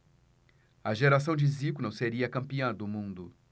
a geração de zico não seria campeã do mundo